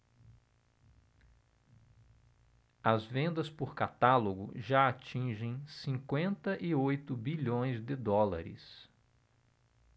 as vendas por catálogo já atingem cinquenta e oito bilhões de dólares